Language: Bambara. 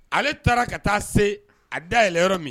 Ale taara ka taa se a da yɛlɛ yɔrɔ min